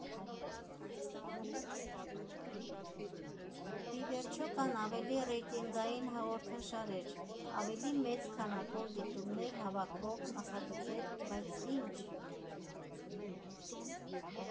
Ի վերջո, կան ավելի ռեյտինգային հաղորդաշարեր, ավելի մեծ քանակով դիտումներ հավաքող նախագծեր, բայց «Ի՞նչ։